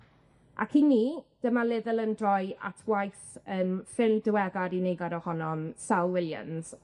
Ac i mi, dyma le ddylem droi at gwaith yym ffrind diweddar i nifer ohonom Sel Williams